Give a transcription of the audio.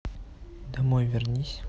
домой вернись